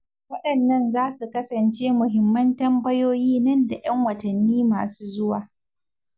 Waɗannan za su kasance muhimman tambayoyi nan da 'yan watanni masu zuwa.